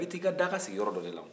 i bɛ t'i ka daga sigi yɔrɔ dɔ de la o